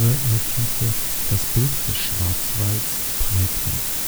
Genremotive das Bild des Schwarzwalds prägten